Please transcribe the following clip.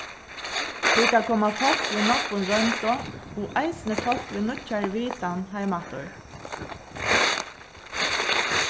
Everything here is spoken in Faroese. tí tað koma fólk við nógvum royndum og eisini fólk við nýggjari vitan heimaftur